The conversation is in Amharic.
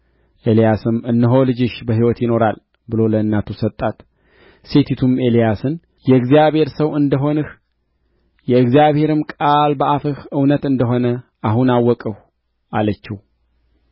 ኤልያስም እነሆ ልጅሽ በሕይወት ይኖራል ብሎ ለእናቱ ሰጣት ሴቲቱም ኤልያስን የእግዚአብሔር ሰው እንደ ሆንህ የእግዚአብሔርም ቃል በአፍህ እውነት እንደ ሆነ አሁን አወቅሁ አለችው